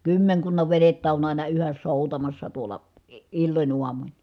kymmenkunnan venettä on aina yhä soutamassa tuolla - illoin aamuin